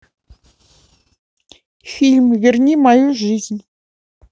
фильм верни мою жизнь